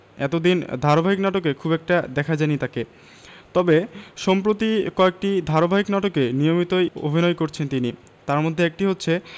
এতদিন ধারাবাহিক নাটকে খুব একটা দেখা যায়নি তাকে তবে সম্প্রতি কয়েকটি ধারাবাহিক নাটকে নিয়মিতই অভিনয় করছেন তিনি তার মধ্যে একটি হচ্ছে